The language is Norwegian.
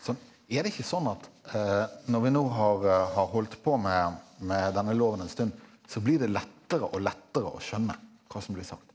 så er det ikke sånn at når vi nå har har holdt på med med denne loven en stund så blir det lettere og lettere å skjønne hva som blir sagt?